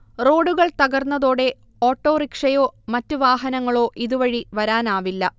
റോഡുകൾ തകർന്നതോടെ ഓട്ടോറിക്ഷയോ മറ്റ് വാഹനങ്ങളോ ഇതുവഴി വരാനാവില്ല